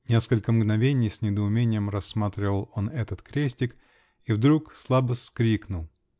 Несколько мгновений с недоумением рассматривал он этот крестик -- и вдруг слабо вскрикнул.